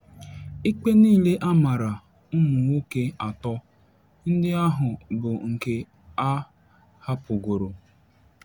Ịkpe niile a maara ụmụ nwoke atọ ndị ahụ bụ nke a hapụgoru.